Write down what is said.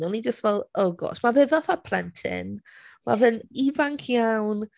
O'n ni jyst fel "oh gosh". Ma' fe fatha plentyn ma' fe'n ifanc iawn.